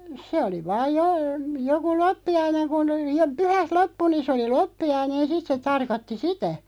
se oli vain - joku loppiainen kun - pyhät loppui niin se oli loppiainen sitten se tarkoitti sitä